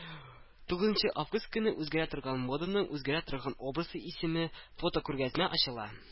Тугызынчы август көнне “Үзгәрә торган моданың үзгәрә торган образы” исемле фотокүргәзмә ачыла